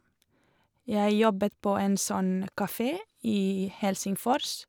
Jeg jobbet på en sånn kafé i Helsingfors.